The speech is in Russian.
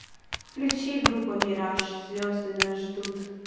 включи группа мираж звезды нас ждут